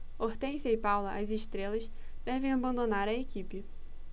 hortência e paula as estrelas devem abandonar a equipe